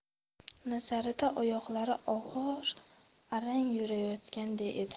nazarida oyoqlari og'ir arang yurayotganday edi